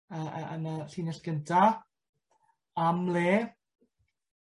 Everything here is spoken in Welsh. yy yy yn y llinell gynta. Am le.